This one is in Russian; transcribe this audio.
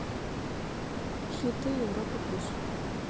хиты европа плюс